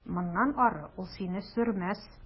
Моннан ары ул сине сөрмәс.